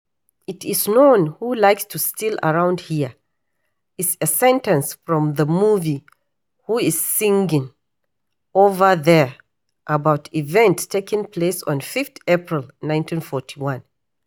It is known who likes to steal around here! is a sentence from the movie "Who's Singin’ Over There?" about events taking place on 5 April 1941.